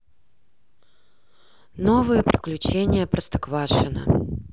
новые приключения простоквашино